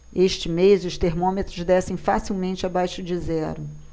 este mês os termômetros descem facilmente abaixo de zero